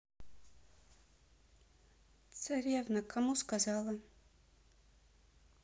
царевна кому сказала